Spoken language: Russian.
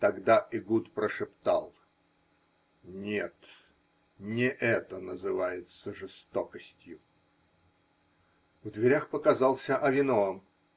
Тогда Эгуд прошептал: -- Нет, не это называется жестокостью! В дверях показался Авиноам.